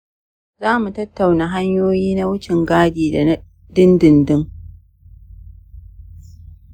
za mu tattauna hanyoyi na wucin gadi da na dindindin.